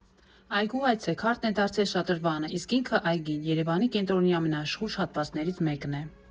Այգու այցեքարտն է դարձել շատրվանը, իսկ ինքը ՝այգին, Երևանի կենտրոնի ամենաաշխույժ հատվածներից մեկն է։